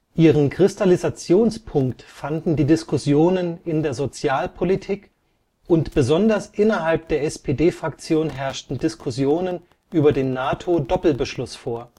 Ihren Kristallisationspunkt fanden die Diskussion in der Sozialpolitik, und besonders innerhalb der SPD-Fraktion herrschten Diskussionen über den NATO-Doppelbeschluss vor